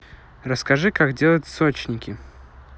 расскажи как делать сочники